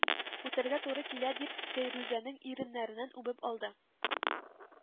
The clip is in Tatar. Үтәргә туры килә, дип фәйрүзәнең иреннәреннән үбеп алды